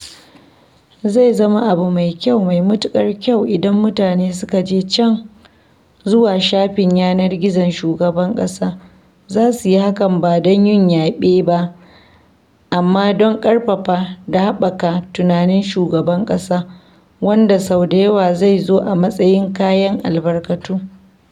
Zai zama abu mai kyau, mai matuƙar kyau, idan mutanen da suka je can (zuwa shafin yanar gizon Shugaban Kasa) za su yi hakan ba don “yin yabe” ba, amma don ƙarfafa da haɓaka tunanin Shugaban Kasa wanda sau da yawa zai zo a matsayin “kayan albarkatu.”